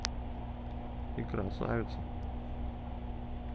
и красавица